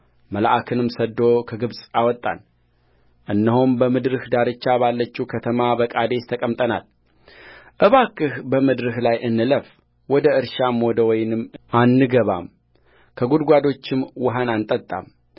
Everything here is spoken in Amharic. መልአክንም ሰድዶ ከግብፅ አወጣን እነሆም በምድርህ ዳርቻ ባለችው ከተማ በቃዴስ ተቀምጠናልእባክህ በምድርህ ላይ እንለፍ ወደ እርሻም ወደ ወይንም አንገባም ከጕድጓዶችም ውኃን አንጠጣም